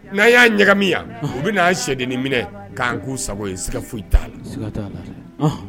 N'a y'a ɲagami yan u bɛ'a sɛdennin minɛ k'an k'u sago ye sika foyi t'a